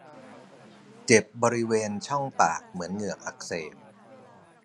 เจ็บบริเวณช่องปากเหมือนเหงือกอักเสบ